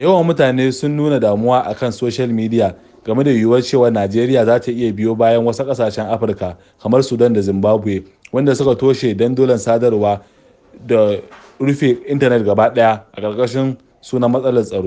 Da yawan mutane sun nuna damuwa a kan soshiyal midiya game da yiwuwar cewa Najeriya za ta iya biyo bayan wasu ƙasashen Afirka [kamar Sudan da Zimbabwe] waɗanda suke toshe dandulan sadarwa ko suka rufe intanet gabaɗaya a ƙarƙashin sunan matsalar tsaro.